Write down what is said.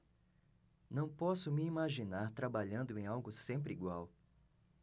não posso me imaginar trabalhando em algo sempre igual